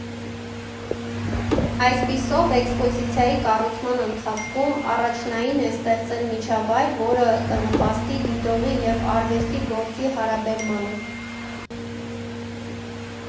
Այսպիսով, էքսպոզիցիայի կառուցման ընթացքում առաջնային է ստեղծել միջավայր, որը կնպաստի դիտողի և արվեստի գործի հարաբերմանը։